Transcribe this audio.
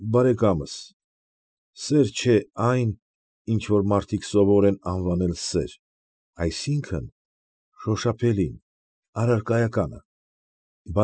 Բարեկա՛մս, սեր չէ այն, ինչ որ մարդիկ սովոր են անվանել սեր, այսինքն՝ շոշափելին, առարկայականը։